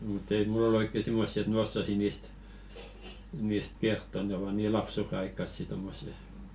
mutta ei minulla ole oikein semmoisia että minä osaisin niistä niistä kertoa ne ovat niin lapsuudenaikaisia tuommoiset sitten että minä tiedä niistä oikein